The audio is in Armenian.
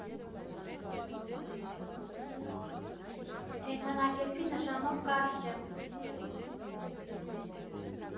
Կենդանակերպի նշանով կարիճ եմ։